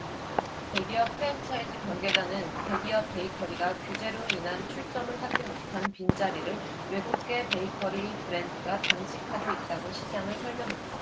대기업 프랜차이즈 관계자는 대기업 베이커리가 규제로 인해 출점을 하지 못한 빈 자리를 외국계 베이커리 브랜드가 잠식하고 있다고 시장을 설명했다